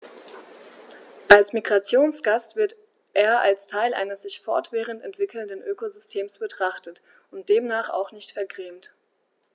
Als Migrationsgast wird er als Teil eines sich fortwährend entwickelnden Ökosystems betrachtet und demnach auch nicht vergrämt.